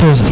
14